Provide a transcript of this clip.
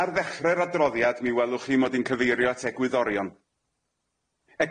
Ar ddechre'r adroddiad mi welwch chi mod i'n cyfeirio at egwyddorion.